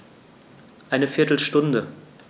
Eine viertel Stunde